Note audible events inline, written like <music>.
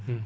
<hesitation> <hesitation>